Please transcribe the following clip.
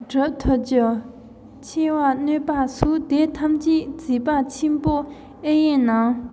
གྲུབ ཐོབ ཀྱི ཆེ བར གནོད པ སོགས དེ ཐམས ཅད བྱས པ ཆེན པོ ཨེ ཡིན ནམ